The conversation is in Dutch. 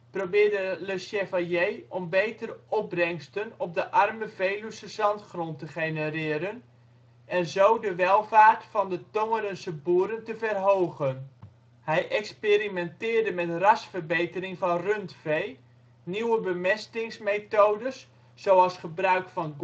probeerde Le Chevalier om betere opbrengsten op de arme Veluwse zandgrond te genereren en zo de welvaart van de Tongerense boeren te verhogen. Hij experimenteerde met rasverbetering van rundvee, nieuwe bemestingsmethodes zoals gebruik van